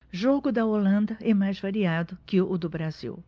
jogo da holanda é mais variado que o do brasil